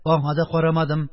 Аңа да карамадым.